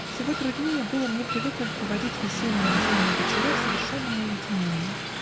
Всего труднее было мне привыкнуть проводить осенние и зимние вечера в совершенном уединении.